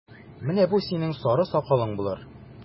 Менә бу синең сары сакалың булыр!